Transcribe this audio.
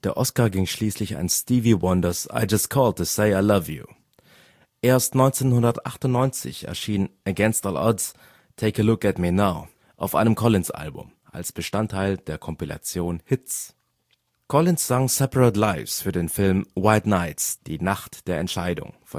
Oscar ging schließlich an Stevie Wonders I Just Called to Say I Love You. Erst 1998 erschien Against All Odds (Take a Look at Me Now) auf einem Collins-Album, als Bestandteil der Kompilation... Hits. Collins sang Separate Lives für den Film White Nights – Die Nacht der Entscheidung (1985